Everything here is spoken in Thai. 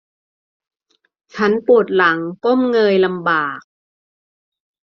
ฉันปวดหลังก้มเงยลำบาก